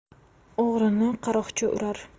o'g'rini qaroqchi urar